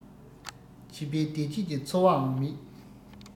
བྱིས པའི བདེ སྐྱིད ཀྱི འཚོ བའང མེད